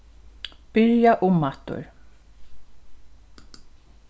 byrja umaftur